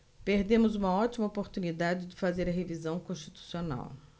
perdemos uma ótima oportunidade de fazer a revisão constitucional